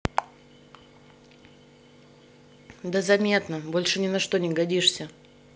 да заметно больше ни на что не годишься